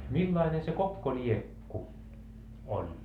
millainen se kokkoliekku oli